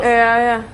Ia ia.